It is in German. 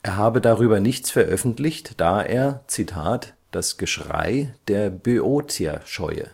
habe darüber nichts veröffentlicht, da er „ das Geschrei der Böotier scheue